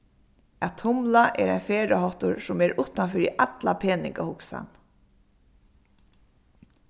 at tumla er ein ferðaháttur sum er uttan fyri alla peningahugsan